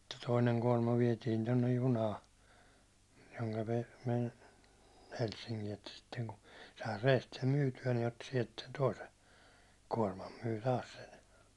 sitten toinen kuorma vietiin tuonne junaan jonka ne vei Helsinkiin että sitten kun sai reestä sen myytyä niin otti sieltä sen toisen kuorman myi taas sen